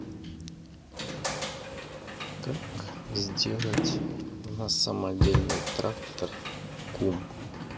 как сделать на самодельный трактор кум